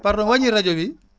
pardon wàññil rajo bi